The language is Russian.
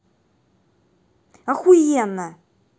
охуено